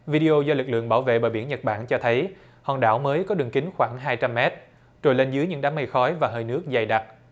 vi đê ô do lực lượng bảo vệ bờ biển nhật bản cho thấy hòn đảo mới có đường kính khoảng hai trăm mét trồi lên giữa những đám mây khói và hơi nước dày đặc